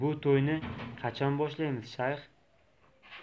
bu to'yni qachon boshlaymiz shayx